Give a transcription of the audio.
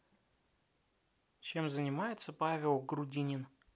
чем занимается павел грудинин